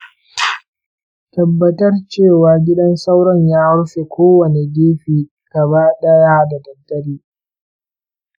tabbatar cewa gidan sauron ya rufe kowane gefe gaba ɗaya da daddare.